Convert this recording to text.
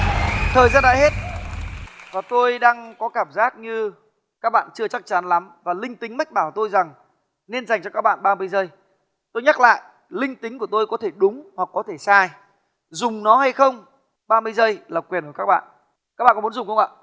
thời gian đã hết và tôi đang có cảm giác như các bạn chưa chắc chắn lắm và linh tính mách bảo tôi rằng nên dành cho các bạn ba mươi giây tôi nhắc lại linh tính của tôi có thể đúng hoặc có thể sai dùng nó hay không ba mươi giây là quyền của các bạn các bạn có muốn dùng không ạ